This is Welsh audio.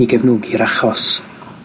i gefnogi'r achos.